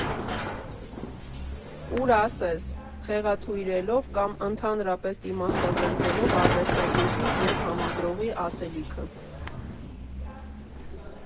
Ուր ասես՝ խեղաթյուրելով կամ ընդհանրապես իմաստազրկելով արվեստագետի և համադրողի ասելիքը։